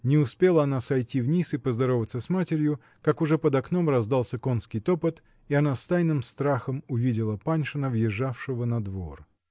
Не успела она сойти вниз и поздороваться с матерью, как уже под окном раздался конский топот, и она с тайным страхом увидела Паншина, въезжавшего на двор.